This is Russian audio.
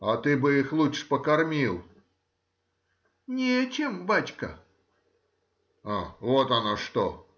— А ты бы их лучше покормил. — Нечем, бачка. — Вот оно что!